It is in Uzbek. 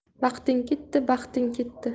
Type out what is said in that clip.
vaqting ketdi baxting ketdi